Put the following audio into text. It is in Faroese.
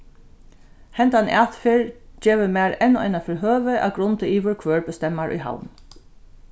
hendan atferð gevur mær enn einaferð høvi at grunda yvir hvør bestemmar í havn